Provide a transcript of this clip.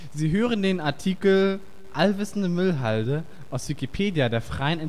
Sie hören den Artikel Allwissende Müllhalde, aus Wikipedia, der freien